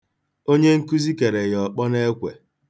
Onye nkụzi kere ya ọkpọ n'ekwe.